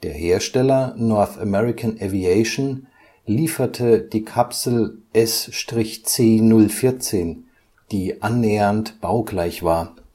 Hersteller North American Aviation lieferte die Kapsel S/C 014, die annähernd baugleich war